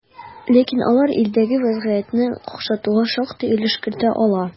Ләкин алар илдәге вазгыятьне какшатуга шактый өлеш кертә ала.